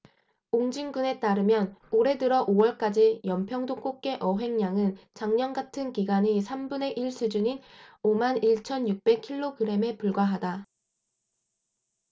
옹진군에 따르면 올해 들어 오 월까지 연평도 꽃게 어획량은 작년 같은 기간의 삼 분의 일 수준인 오 만 일 천 육백 킬로그램에 불과하다